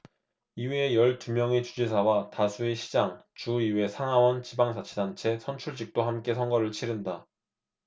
이외에 열 두 명의 주지사와 다수의 시장 주 의회 상 하원 지방자치단체 선출직도 함께 선거를 치른다